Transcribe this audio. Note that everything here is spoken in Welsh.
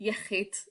iechyd...